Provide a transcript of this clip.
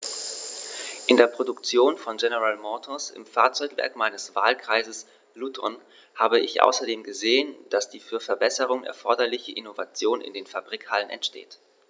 In der Produktion von General Motors, im Fahrzeugwerk meines Wahlkreises Luton, habe ich außerdem gesehen, dass die für Verbesserungen erforderliche Innovation in den Fabrikhallen entsteht.